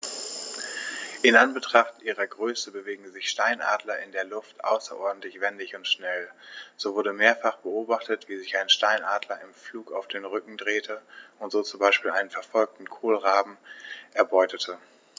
In Anbetracht ihrer Größe bewegen sich Steinadler in der Luft außerordentlich wendig und schnell, so wurde mehrfach beobachtet, wie sich ein Steinadler im Flug auf den Rücken drehte und so zum Beispiel einen verfolgenden Kolkraben erbeutete.